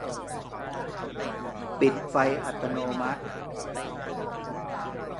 ปิดไฟอัตโนมัติ